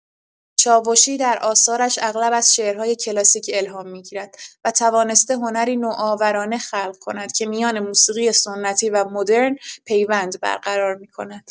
چاوشی در آثارش اغلب از شعرهای کلاسیک الهام می‌گیرد و توانسته هنری نوآورانه خلق کند که میان موسیقی سنتی و مدرن پیوند برقرار می‌کند.